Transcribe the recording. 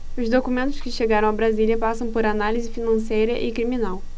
os documentos que chegaram a brasília passam por análise financeira e criminal